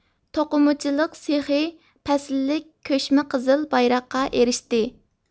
توقۇمىچىلىق سېخى پەسىللىك كۆچمە قىزىل بايراققا ئېرىشتى